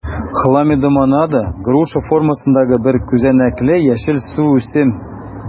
Хламидомонада - груша формасындагы бер күзәнәкле яшел суүсем.